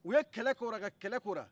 u ye kɛlɛ k'o la ka kɛlɛ k'o la